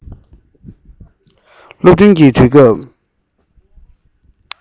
སློབ འབྲིང གི དུས སྐབས